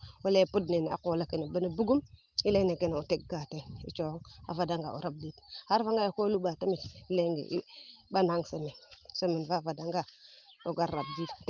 o leye pod nene a qoola kene bugum i leyine kene o teg ka ten i cookoŋ a fadaŋa o rabdin a refaŋa yee koo luɓaa tamit i leyŋee i ɓanaŋ semaine semaine faa fadaŋa o gar rabdin